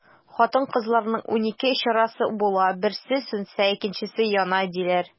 Хатын-кызларның унике чырасы була, берсе сүнсә, икенчесе яна, диләр.